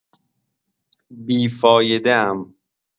بی‌فایده‌ام.